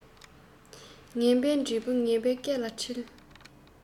ངན པའི འབྲས བུ ངན པའི སྐེ ལ འཁྲིལ